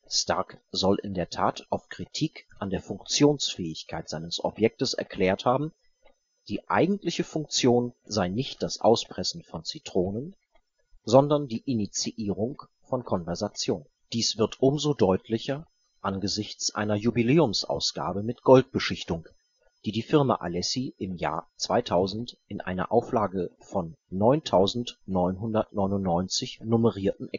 Starck soll in der Tat auf Kritik an der Funktionsfähigkeit seines Objektes erklärt haben, die eigentliche Funktion sei nicht das Auspressen von Zitronen, sondern die Initiierung von Konversation. Dies wird umso deutlicher angesichts einer Jubliäumsausgabe mit Goldbeschichtung, die die Firma Alessi im Jahr 2000 in einer Auflage von 9999 nummerierten